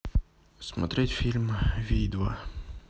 смотреть фильм вий два